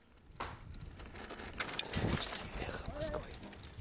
глуховский эхо москвы